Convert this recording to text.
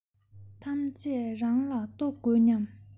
ཐམས ཅད རང ལ གཏོགས དགོས སྙམ